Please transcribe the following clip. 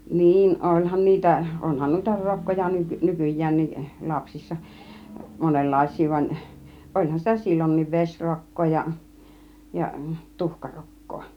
niin olihan niitä onhan noita rokkoja - nykyäänkin lapsissa monenlaisia vaan olihan sitä silloinkin vesirokkoa ja tuhkarokkoa